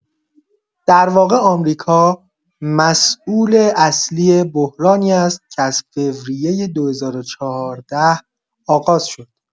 درواقع آمریکا مسئول اصلی بحرانی است که از فوریه ۲۰۱۴ آغاز شد.